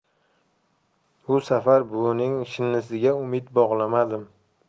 bu safar buvining shinnisiga umid bog'lamadim